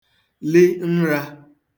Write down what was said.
li nrā